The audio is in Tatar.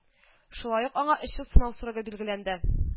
Шулай ук аңа өч ел сынау срогы билгеләнде